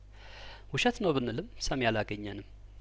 ውሸት ነውብን ልም ሰሚ አላገኘንም